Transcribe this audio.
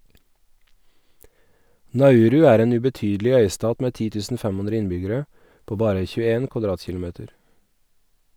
Nauru er en ubetydelig øystat med 10.500 innbyggere, på bare 21 kvadratkilometer.